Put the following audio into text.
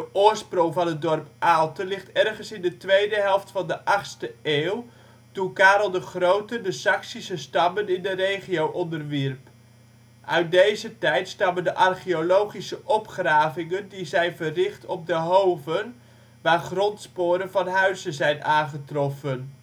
oorsprong van het dorp Aalten ligt ergens in de tweede helft van de 8e eeuw, toen Karel de Grote de Saksische stammen in de regio onderwierp. Uit deze tijd stammen de archeologische opgravingen die zijn verricht op de Hoven, waar grondsporen van huizen zijn aangetroffen